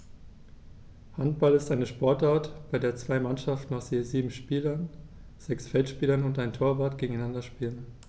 Handball ist eine Sportart, bei der zwei Mannschaften aus je sieben Spielern (sechs Feldspieler und ein Torwart) gegeneinander spielen.